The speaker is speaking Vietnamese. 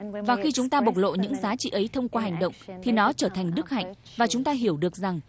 và khi chúng ta bộc lộ những giá trị ấy thông qua hành động thì nó trở thành đức hạnh và chúng ta hiểu được rằng